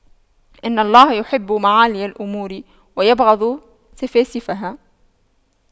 إن الله يحب معالي الأمور ويبغض سفاسفها